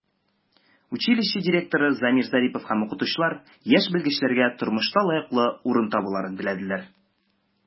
Училище директоры Замир Зарипов һәм укытучылар яшь белгечләргә тормышта лаеклы урын табуларын теләделәр.